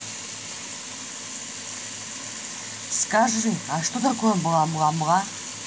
скажи а что такое бла бла бла